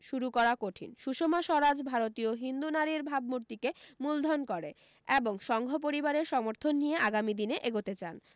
শুরু করা কঠিন সুষমা স্বরাজ ভারতীয় হিন্দু নারীর ভাবমূর্তিকে মূলধন করে এবং সংঘ পরিবারের সমর্থন নিয়ে আগামী দিনে এগোতে চান